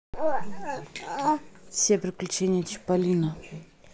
все приключения чиполлино